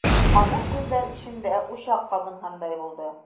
Аның күзләр эчендә учак кабынгандай булды.